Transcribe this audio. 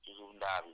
day changer